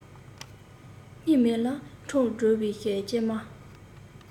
སྙིང མེད ལ འཕྲང སྒྲོལ བའི སྐྱེལ མ